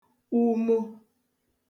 umo